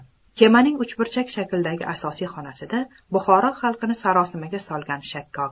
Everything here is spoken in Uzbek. kemaning uchburchak shaklidagi asosiy xonasida buxoro xalqini sarosimaga solgan shakkok